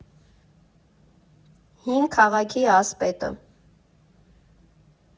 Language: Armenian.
Հին քաղաքի ասպետը։